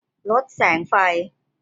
ลดแสงไฟ